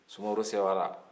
sumaworo sewara